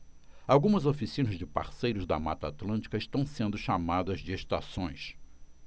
algumas oficinas de parceiros da mata atlântica estão sendo chamadas de estações